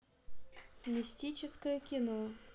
мистическое кино